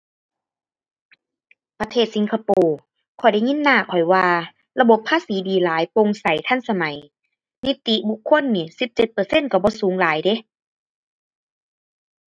ประเทศสิงคโปร์ ข้อยได้ยินน้าข้อยว่าระบบภาษีดีหลายโปร่งใสทันสมัย นิติบุคคลนี่สิบเจ็ดเปอร์เซ็นต์ก็บ่สูงหลายเดะ